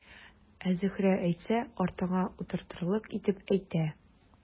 Ә Зөһрә әйтсә, артыңа утыртырлык итеп әйтә.